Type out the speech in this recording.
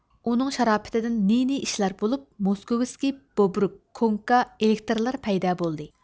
ئۇنىڭ شاراپىتىدىن نى نى ئىشلار بولۇپ موسكىۋىسكى بوبرۇك كوڭكا ئېلېكتىرلار پەيدا بولدى